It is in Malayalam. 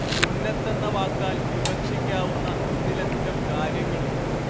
സുന്നത്തെന്ന വാക്കാൽ വിവക്ഷിക്കാവുന്ന ഒന്നിലധികം കാര്യങ്ങളുണ്ട്